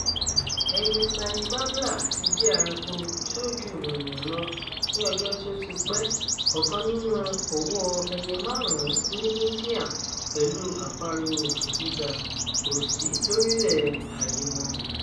Ẹyẹ Spiny Babbler ti jẹ́ ẹranko tí ó ju ìmọ̀ ènìyàn lọ ní ọjọ́ tí ó ti pẹ́, ọ̀kan nínú ọ̀wọ̀ ẹyẹ márùn-ún ní India, pẹ̀lú Àparò Òkè gíga, kò sí lórílẹ̀ ayé mọ́n.